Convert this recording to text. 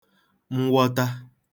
mwọta